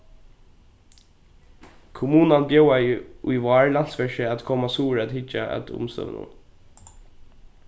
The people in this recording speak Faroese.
kommunan bjóðaði í vár landsverki at koma suður at hyggja at umstøðunum